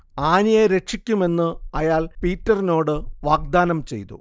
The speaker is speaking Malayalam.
ആനിയെ രക്ഷിക്കുമെന്ന് അയാൾ പീറ്ററിനോട് വാഗ്ദാനം ചെയ്തു